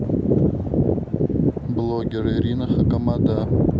блогер ирина хакамада